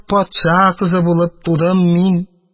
Патша кызы булып тудым мин?..